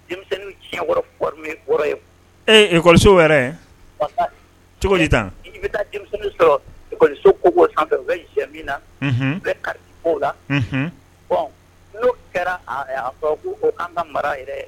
Denmisɛnnin tiɲɛ wɔɔrɔ fɔ wɔɔrɔ ye eekɔliso yɛrɛ cogo tan i bɛ taa sɔrɔkɔliso ko ko an fɛ u bɛ jɛmina na u bɛ ali ko la n'o kɛra'a fɔ ko an ka mara yɛrɛ